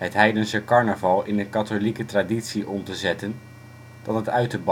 heidense carnaval in een katholieke traditie om te zetten dan het uit te bannen